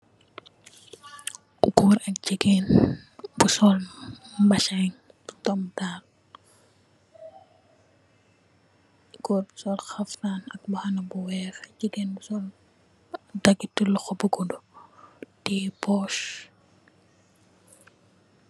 Gòor ak jigéen bu sol mbasin bu doomutal, gòor bi sol haftaan ak mbahana bu weeh. Jigéen bu sol dagit loho bu guddu tè pus.